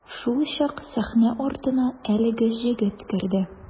Шулчак сәхнә артына әлеге җегет керде.